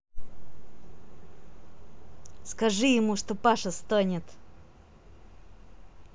скажи ему что паша стонет